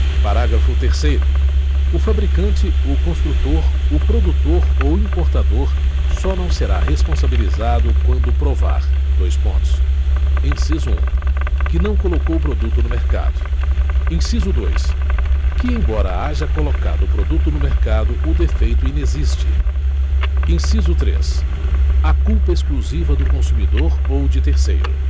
parágrafo terceiro o fabricante o construtor o produtor ou importador só não será responsabilizado quando provar dois pontos inciso um que não colocou o produto no mercado inciso dois que embora haja colocado o produto no mercado o defeito inexiste inciso três a culpa exclusiva do consumidor ou de terceiro